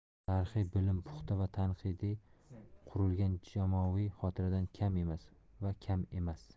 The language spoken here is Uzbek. tarixiy bilim puxta va tanqidiy qurilgan jamoaviy xotiradan kam emas va kam emas